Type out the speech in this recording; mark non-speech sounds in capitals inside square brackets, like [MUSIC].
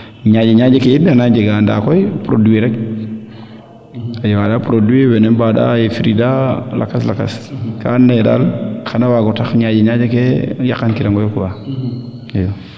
ñaƴe ñaƴe ke yit ana njega ndaa koy produit rek a jega produit wene mbaanda [UNINTELLIGIBLE] lakas lakas kaa and naye daal xana waago tax ñaƴew ñaƴe ke yaqan kirango yo quoi i